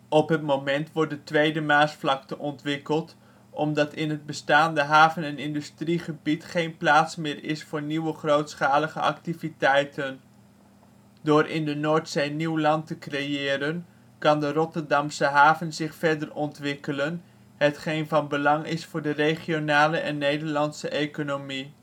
Op het moment wordt de Tweede Maasvlakte ontwikkeld, omdat in het bestaande haven - en industriegebied geen plaats meer is voor nieuwe grootschalige activiteiten. Door in de Noordzee nieuw land te creëren kan de Rotterdamse haven zich verder ontwikkelen, hetgeen van belang is voor de regionale en Nederlandse economie